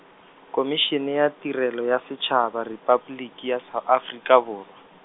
Khomišene ya Tirelo ya Setšhaba, Repabliki ya sa Afrika Borwa.